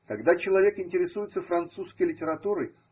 Когда человек интересуется французской литературой.